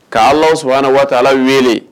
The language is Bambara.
K' ala sana waa ala wele